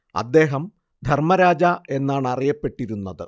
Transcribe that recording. അദ്ദേഹം ധർമ്മരാജ എന്നാണറിയപ്പെട്ടിരുന്നത്